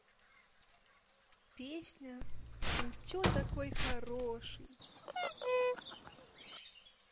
песня ну че такой хороший